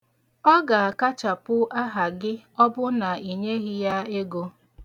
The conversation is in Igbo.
Ọ ga-akachapụ aha gị ọbụ na i nyeghị ya ego.